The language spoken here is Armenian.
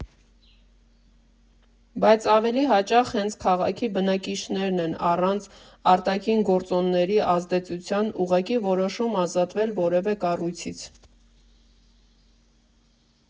Բայց ավելի հաճախ հենց քաղաքի բնակիչներն են առանց արտաքին գործոնների ազդեցության ուղղակի որոշում ազատվել որևէ կառույցից։